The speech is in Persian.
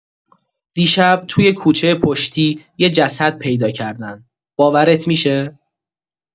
دیشب توی کوچه پشتی یه جسد پیدا کردن، باورت می‌شه؟!